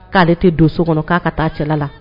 K'aale tɛ don so kɔnɔ k'a ka taa cɛla la